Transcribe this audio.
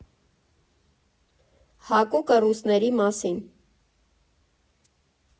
Հակուկը ռուսների մասին։